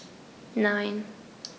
Nein.